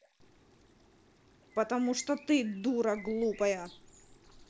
потому что ты дура глупая